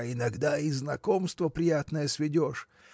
а иногда и знакомство приятное сведешь